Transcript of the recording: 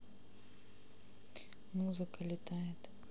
музыка тлеет